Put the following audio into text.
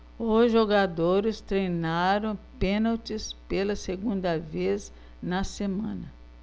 os jogadores treinaram pênaltis pela segunda vez na semana